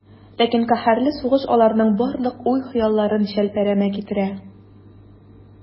Ләкин каһәрле сугыш аларның барлык уй-хыялларын челпәрәмә китерә.